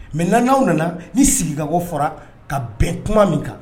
Mɛ nankaw nana ni sigi ka bɔ fara ka bɛn tuma min kan